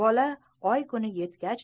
bola oy kuni yetgach